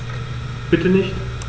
Bitte nicht.